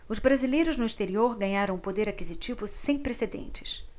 os brasileiros no exterior ganharam um poder aquisitivo sem precedentes